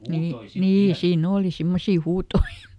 niin niin siinä oli semmoisia huutoja